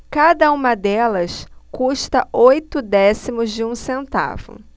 cada uma delas custa oito décimos de um centavo